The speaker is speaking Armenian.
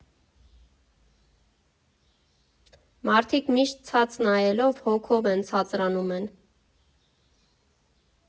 Մարդիկ միշտ ցած նայելով՝ հոգով են ցածրանում են…